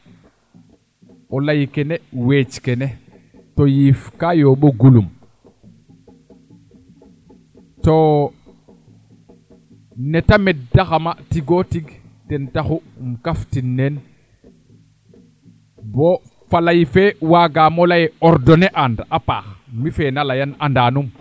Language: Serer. o ley kene weec kene to yiif ka yombo gulum to nete mend taa xama tigoo tig ten taxu im kaf tin neen boo faley fee waagaamo leyee ordoner aan a paax mi fee na leyan anda num